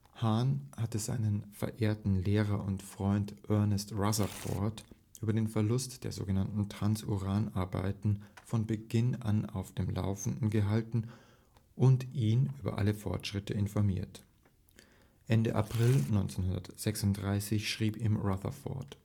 Hahn hatte seinen verehrten Lehrer und Freund Ernest Rutherford über den Verlauf der sogenannten Transuran-Arbeiten von Beginn an auf dem Laufenden gehalten und ihn über alle Fortschritte informiert. Ende April 1935 schrieb ihm Rutherford